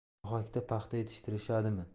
ohakda paxta yetishtirishadimi